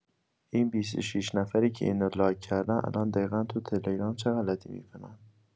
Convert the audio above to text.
این ۲۶ نفری که اینو لایک کردن الان دقیقا تو تلگرام چه غلطی می‌کنن؟